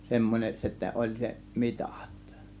semmoinen sitten oli se mitat